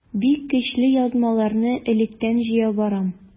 Бик көчле язмаларны электән җыя барам.